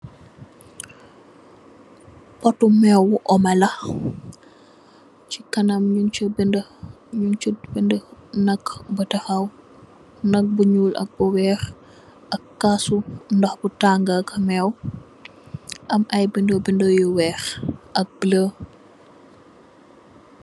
Pot tu meew omela ci kanam ñing ci bindé nak bu taxaw, nak bu ñuul ak bu wèèx ak kassu ndox bu tanga ak meew am ay bindé bindé yu wèèx ak bula .